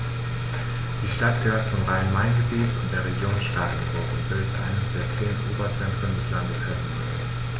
Die Stadt gehört zum Rhein-Main-Gebiet und der Region Starkenburg und bildet eines der zehn Oberzentren des Landes Hessen.